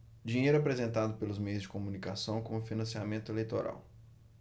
dinheiro apresentado pelos meios de comunicação como financiamento eleitoral